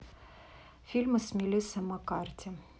фильмы с мелиссой маккарти